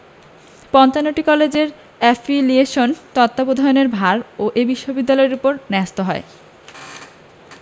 ৫৫টি কলেজের এফিলিয়েশন ও তত্ত্বাবধানের ভার এ বিশ্ববিদ্যালয়ের ওপর ন্যস্ত হয়